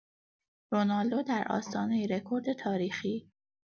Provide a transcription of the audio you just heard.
رونالدو در آستانه رکورد تاریخی؛